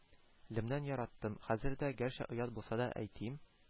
Лемнән яраттым, хәзер дә, гәрчә оят булса да әйтим,